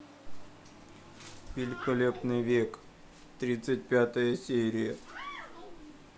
великолепный век тридцать пятая серия